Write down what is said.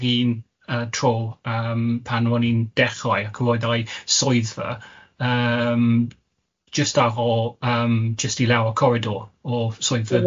yy tro yym pan ro'n i'n dechrau ac roedd a'i swyddfa, yym jyst ar ôl yym jyst i lawr y coridor o swyddfa fi yn yn yn Sir Gaerfyrddin.